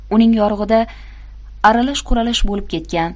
uning yorug'ida aralash quralash bo'lib ketgan